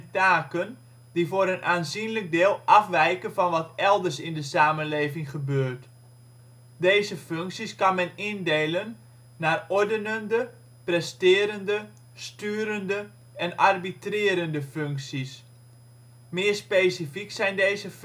taken, die voor een aanzienlijk deel afwijken van wat elders in de samenleving gebeurt. Deze functies kan men indelen naar ordenende, presterende, sturende en arbitrerende functies. Meer specifiek zijn deze